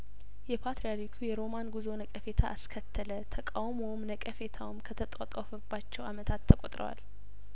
የፓትርያርኩ የሮማን ጉዞ ነቀፌታ አስከተለ ተቃውሞውም ነቀፌታውም ከተጧጧፈባቸው አመታት ተቆጥረዋል